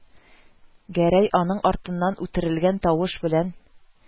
Гәрәй аның артыннан үтерелгән тавыш белән: